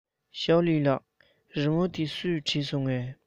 ཞོའོ ལིའི ལགས རི མོ འདི སུས བྲིས སོང ངས